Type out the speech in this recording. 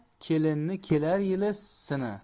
kelinni kelar yili sina